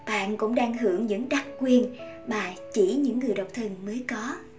bạn cũng đang hưởng những đặc quyền mà chỉ những người độc thân mới có